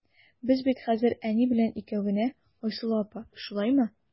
Без бит хәзер әни белән икәү генә, Айсылу апа, шулаймы?